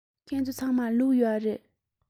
ཁྱེད ཚོ ཚང མར ལུག ཡོད རེད